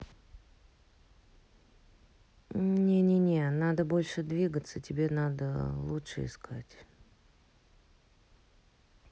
не не не надо больше двигаться тебе надо лучше искать